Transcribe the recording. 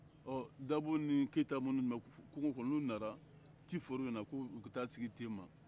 ɔ dabu ni keyita minnu bɛ kungo kɔnɔ n'u nana ci fɔr'u ye ko u ka taa sigi tema